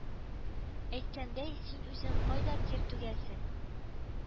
Әйткәндәй, син үзең кайда тир түгәсең